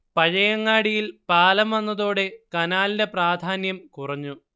പഴയങ്ങാടിയിൽ പാലം വന്നതോടെ കനാലിന്റെ പ്രാധാന്യം കുറഞ്ഞു